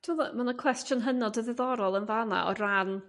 T'bo' ma' 'na cwestiwn hynod o ddiddorol yn fan 'na o ran